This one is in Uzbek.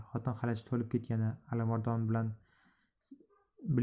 xotin xalaj to'lib ketganini alimardon bilan